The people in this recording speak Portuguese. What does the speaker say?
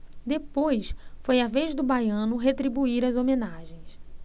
depois foi a vez do baiano retribuir as homenagens